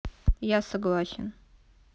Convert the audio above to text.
я согласен